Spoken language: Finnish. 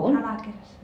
alakerrassa